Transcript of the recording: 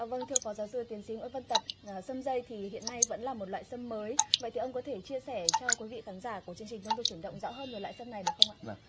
dạ vâng thưa phó giáo sư tiến sĩ nguyễn văn tập là sâm dây thì hiện nay vẫn là một loại sâm mới vậy thì ông có thể chia sẻ cho quý vị khán giả của chương trình theo dõi chuyển động rõ hơn về loại sâm này được không ạ